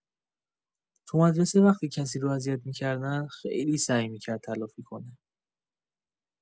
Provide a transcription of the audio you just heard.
تو مدرسه وقتی کسی رو اذیت می‌کردن، خیلی سعی می‌کرد تلافی کنه.